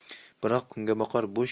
biroq kungaboqar bo'sh